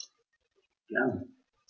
Gerne.